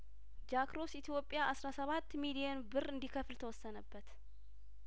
ጃክሮስ ኢትዮጵያ አስራ ሰባት ሚሊየን ብር እንዲ ከፍል ተወሰነበት